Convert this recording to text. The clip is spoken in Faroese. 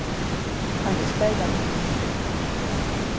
kann eg sperra mítt kort